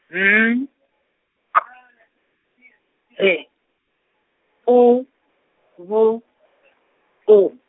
N K H U V U.